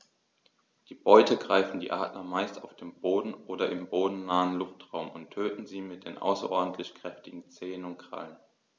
Die Beute greifen die Adler meist auf dem Boden oder im bodennahen Luftraum und töten sie mit den außerordentlich kräftigen Zehen und Krallen.